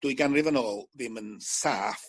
dwy ganrif yn ôl ddim yn saff